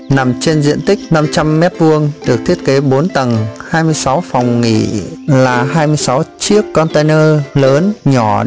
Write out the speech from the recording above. nằm trên diện tích m được thiết kế tầng phòng nghỉ là chiếc container lớn nhỏ